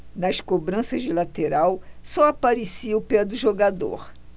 nas cobranças de lateral só aparecia o pé do jogador